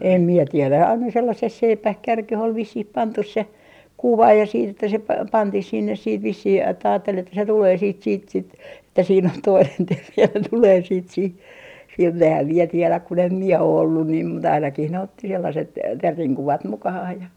en minä tiedä aina sellaiseen seipään kärkeen oli vissiin pantu se kuva ja sitten että se - pantiin sinne sitten vissiin että ajatteli että se tulee sitten sitten sitten että siinä on toinen teeri ja ne tulee sitten siihen sinne enhän minä tiedä kun en minä ole ollut niin mutta ainakin ne otti sellaiset teeren kuvat mukaansa ja